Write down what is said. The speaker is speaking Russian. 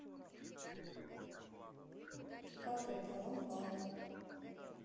как это ламбада